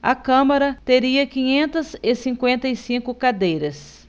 a câmara teria quinhentas e cinquenta e cinco cadeiras